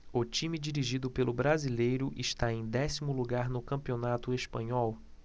o time dirigido pelo brasileiro está em décimo lugar no campeonato espanhol